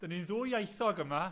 'Dan ni'n ddwyieithog yma.